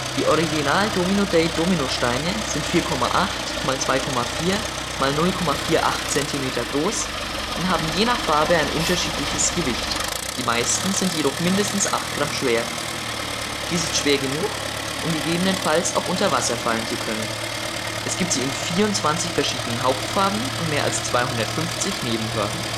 Die Original Domino-Day-Domino-Steine sind 4,8 x 2,4 x 0,48 cm groß und haben je nach Farbe ein unterschiedliches Gewicht, die meisten sind jedoch mindestens 8 Gramm schwer. Dies ist schwer genug, um gegebenenfalls auch unter Wasser fallen zu können. Es gibt sie in 24 verschiedenen Hauptfarben und mehr als 250 Nebenfarben